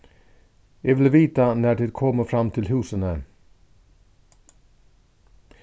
eg vil vita nær tit komu fram til húsini